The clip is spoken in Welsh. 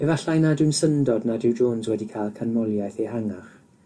Efallai nad yw'n syndod nad yw Jones wedi ca'l canmoliaeth ehangach